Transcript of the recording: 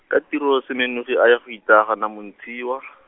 ka tiro Semenogi a ya go ithaga Montshiwa .